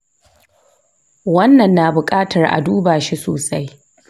wannan na buƙatar a duba shi sosai.